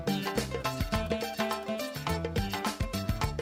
San